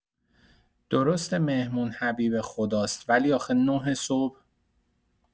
درسته مهمون حبیب خداست ولی آخه ۹ صبح؟